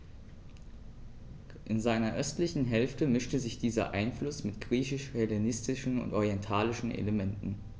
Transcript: In seiner östlichen Hälfte mischte sich dieser Einfluss mit griechisch-hellenistischen und orientalischen Elementen.